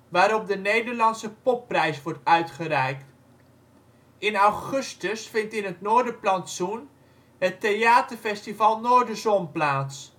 waarop de Nederlandse Popprijs wordt uitgereikt. In augustus vindt in het Noorderplantsoen het theater-festival Noorderzon plaats